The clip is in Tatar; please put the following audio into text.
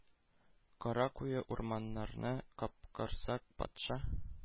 Кара куе урманнарны капкорсак патша